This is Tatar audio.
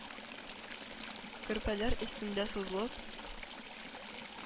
Көрпәләр өстендә сузылып,